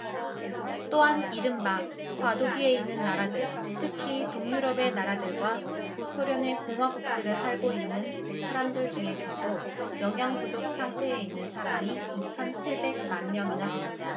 또한 이른바 과도기에 있는 나라들 특히 동유럽의 나라들과 구소련의 공화국들에 살고 있는 사람들 중에도 영양 부족 상태에 있는 사람이 이천 칠백 만 명이나 됩니다